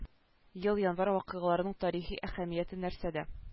Ел январь вакыйгаларының тарихи әһәмияте нәрсәдә